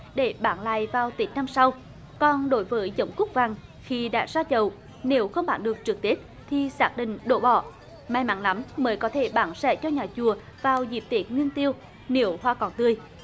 để bán lại vào tết năm sau còn đối với giống cúc vàng khi đã ra chậu nếu không bán được trước tết thì xác định đổ bỏ may mắn lắm mới có thể bán rẻ cho nhà chùa vào dịp tết nguyên tiêu nếu hoa còn tươi